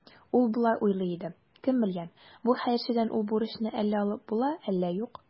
Ул болай уйлый иде: «Кем белгән, бу хәерчедән ул бурычны әллә алып була, әллә юк".